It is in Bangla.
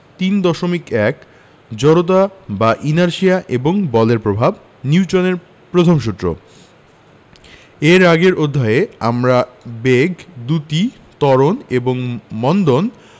3.1 জড়তা বা ইনারশিয়া এবং বলের ধারণা নিউটনের প্রথম সূত্র এর আগের অধ্যায়ে আমরা বেগ দ্রুতি ত্বরণ এবং মন্দন